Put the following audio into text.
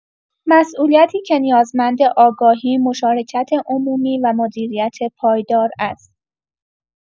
مسئولیتی که نیازمند آگاهی، مشارکت عمومی و مدیریت پایدار است.